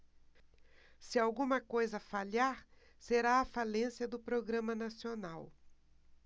se alguma coisa falhar será a falência do programa nacional